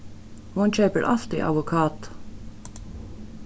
hon keypir altíð avokado